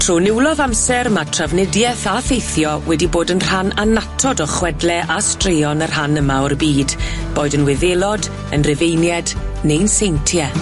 Trw niwlof amser ma' trafnidieth a theithio wedi bod yn rhan annatod o chwedle a straeon y rhan yma o'r byd, boed yn Wyddelod, yn Rufeinied, neu'n Seintie.